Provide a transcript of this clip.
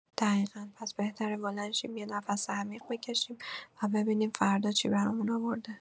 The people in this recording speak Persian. دقیقا، پس بهتره بلند شیم، یه نفس عمیق بکشیم و ببینیم فردا چی برامون آورده.